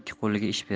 ikki qo'liga ish ber